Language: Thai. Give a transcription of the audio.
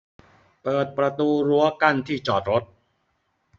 เปิดประตูรั้วกั้นที่จอดรถ